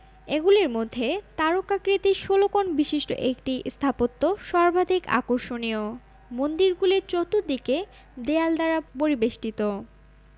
এগুলির মধ্যে তারকাকৃতির ষোল কোণ বিশিষ্ট একটি স্থাপত্য সর্বাধিক আকর্ষণীয় মন্দিরগুলির চতুর্দিকে দেয়াল দ্বারা পরিবেষ্টিত